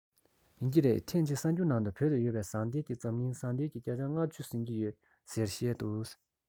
ཡིན གྱི རེད ཐེངས གཅིག གསར འགྱུར ནང དུ བོད དུ ཡོད པའི ཟངས གཏེར གྱིས འཛམ གླིང ཟངས གཏེར གྱི བརྒྱ ཆ ལྔ བཅུ ཟིན གྱི ཡོད ཟེར བཤད འདུག